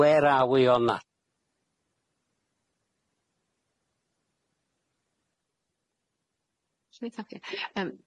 Where are we on that?